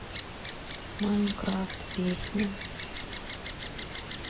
майнкрафт песня